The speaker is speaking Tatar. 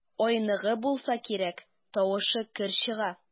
Айныган булса кирәк, тавышы көр чыга.